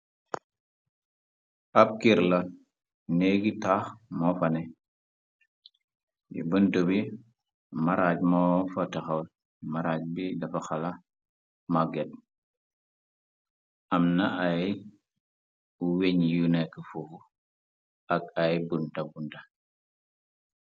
ab kirlot neegi taax moo fane i bënt bi maraaj moo fotexal maraaj bi dafa xala moget am na ay weñ yu nekk fuuf ak ay bunta bunda